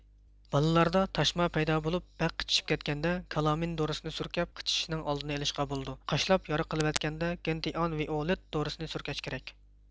بالىلاردا تاشما پەيدا بولۇپ بەك قىچىشىپ كەتكەندە كالامىن دورىسىنى سۈركەپ قىچىشىشنىڭ ئالدىنى ئېلىشقا بولىدۇ قاشلاپ يارا قىلىۋەتكەندە گېنتىئان ۋىئولېت دورىسنى سۈركەش كېرەك